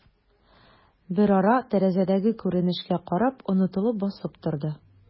Берара, тәрәзәдәге күренешкә карап, онытылып басып торды.